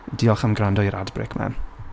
Diolch am gwrando i'r ad-break 'ma.